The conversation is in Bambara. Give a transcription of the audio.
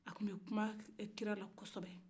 a kun bɛ kuma kira la kɔsɔ bɛ